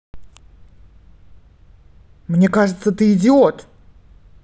мне кажется ты идиот